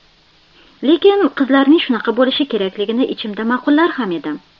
lekin qizlarning shunaqa bo'lishi kerakligini ichimda maqullar ham edim